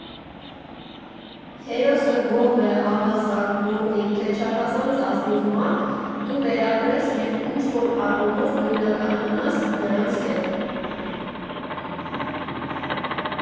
Հերոսը գող է, ավազակ, պոռնիկ թե չափազանց ազնիվ մարդ, դու վերապրես և ինչ֊որ առումով նույնականանաս նրանց հետ։